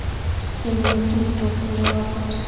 я не на ту кнопку нажала просто